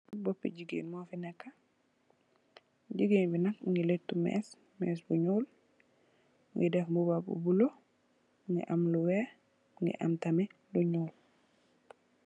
Boppi jigeen mu fi neka, jigeen bi nak mungi letto mess, mess bu nuul mungi deff mbuba bu bulo, mungi am lu weex mungi am tahmit lu nuul.